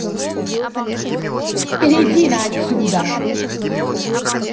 перейди на отсюда